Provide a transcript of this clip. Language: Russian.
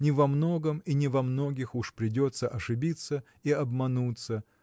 не во многом и не во многих уж придется ошибиться и обмануться